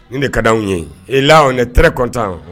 Nin de ka anw ye i la ne t kɔntan